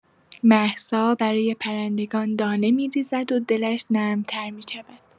مهسا برای پرندگان دانه می‌ریزد و دلش نرم‌تر می‌شود.